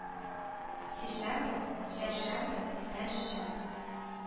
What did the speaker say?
Сишәмбе, чәршәмбе, пәнҗешәмбе